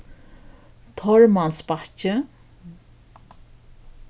tormansbakki